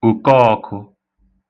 òkọọ̄kụ̄